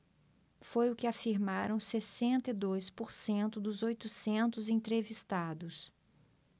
foi o que afirmaram sessenta e dois por cento dos oitocentos entrevistados